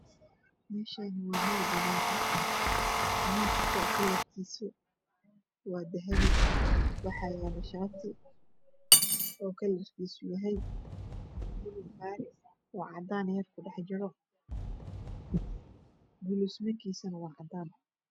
Meshani waa meelbanaan ah Miski midibkiisu waa dahabi waxaa yaala shaati uukalarkiisu yahay Bulgaria’s ooo cadaan yarkudhaxjiro guluusmidkiisuna waa cadaan